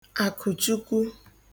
Àkụ̀chukwu